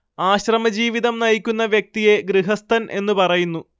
ആശ്രമജീവിതം നയിക്കുന്ന വ്യക്തിയെ ഗൃഹസ്ഥൻ എന്ന് പറയുന്നു